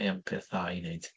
Ie, peth dda i wneud.